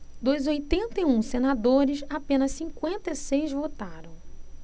dos oitenta e um senadores apenas cinquenta e seis votaram